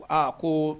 Aa ko